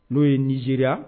N'o ye niiriya